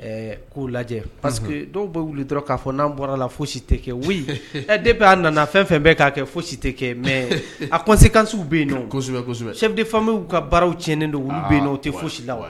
K'u lajɛ parce que dɔw bɛ wili dɔrɔn k'a fɔ n'an bɔra la foyi si tɛ kɛ wuli de b' a nana fɛn o fɛn bɛɛ k'a kɛ foyi si tɛ kɛ mɛ a ko se kanso bɛ yendi fan'u ka baaraw tien don bɛ yen o u tɛ foyisi la wa